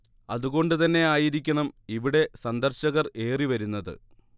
അത് കൊണ്ട് തന്നെആയിരിക്കണം ഇവിടെ സന്ദർശകർ ഏറിവരുന്നത്